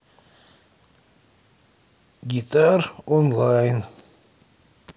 гитар онлайн